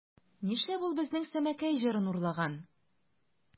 Нишләп ул безнең Сәмәкәй җырын урлаган?